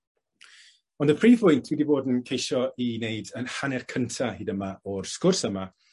ond y prif fwynt fi 'di bod yn ceisio 'i neud yn hanner cynta hyd yma o'r sgwrs yma,